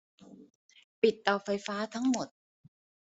ปิดเตาไฟฟ้าทั้งหมด